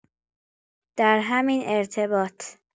در همین ارتباط